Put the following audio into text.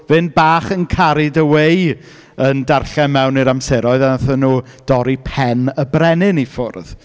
Fynd bach yn carried away yn darllen mewn i'r amseroedd a wnaethon nhw dorri pen y brenin i ffwrdd.